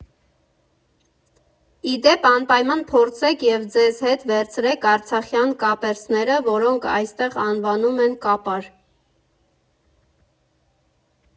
Ի դեպ, անպայման փորձեք և ձեզ հետ վերցրեք արցախյան կապերսները, որոնք այստեղ անվանում են կապար։